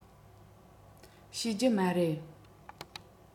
ཤེས རྒྱུ མ རེད